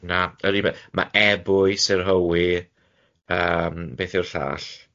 Na yr unig be- ma' ebwys yr Hywi yym beth yw'r llall?